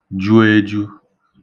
jū ējū